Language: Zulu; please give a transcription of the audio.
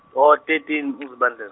oh thirteen uZibandlel-.